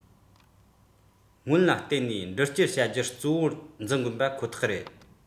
ཟོག ཁུངས མཁོ སྤྲོད སྔོན ལ འགན ལེན ཁོ ཐག ཐད ཚོང ཁང རེད